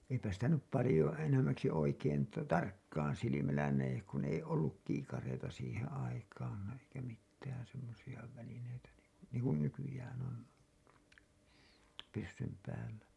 eipä sitä nyt paljon enemmäksi oikein - tarkkaan silmällä näe kun ei ollut kiikareita siihen aikaan eikä mitään semmoisia välineitä niin kuin niin kuin nykyään on pyssyn päällä